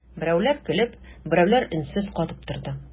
Берәүләр көлеп, берәүләр өнсез катып торды.